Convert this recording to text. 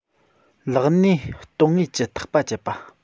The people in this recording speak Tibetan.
ལག སྣེ གཏོང དངུལ གྱི ཐག པ ཆད པ